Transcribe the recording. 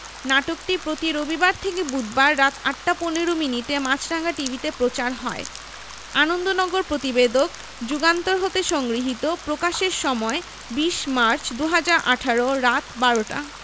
নাটকটি প্রতি রোববার থেকে বুধবার রাত ৮টা ১৫ মিনিটে মাছরাঙা টিভিতে প্রচার হয় আনন্দনগর প্রতিবেদক যুগান্তর হতে সংগৃহীত প্রকাশের সময় ২০মার্চ ২০১৮ রাত ১২:০০ টা